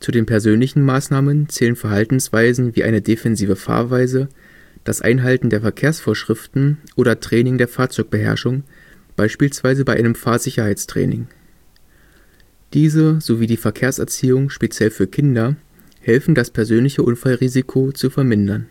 den persönlichen Maßnahmen zählen Verhaltensweisen wie eine defensive Fahrweise, das Einhalten der Verkehrsvorschriften oder Training der Fahrzeugbeherrschung, beispielsweise bei einem Fahrsicherheitstraining. Diese sowie die Verkehrserziehung speziell für Kinder helfen das persönliche Unfallrisiko zu vermindern